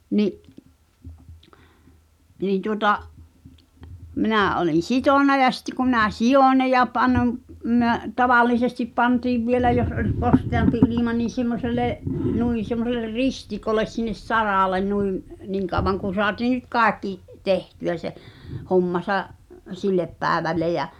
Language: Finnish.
niin niin tuota minä olin sitonut ja sitten kun minä sidoin ne ja -- tavallisesti pantiin vielä jos oli kosteampi ilma niin semmoiselle noin semmoiselle ristikolle sinne saralle niin niin kauan kuin saatiin nyt kaikki tehtyä se hommansa sille päivälle ja